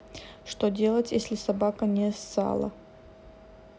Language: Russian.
что делать если собака не ссала